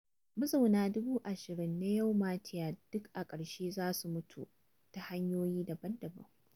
Mazauna 20,000 na Yau Ma Tei duk a ƙarshe dai za su mutu ta hanyoyi daban-daban.